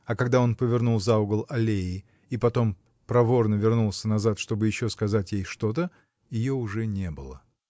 А когда он повернул за угол аллеи и потом проворно вернулся назад, чтобы еще сказать ей что-то, ее уже не было.